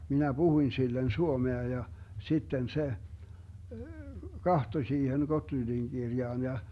minä puhuin sille suomea ja sitten se katsoi siihen Gottlundin kirjaan ja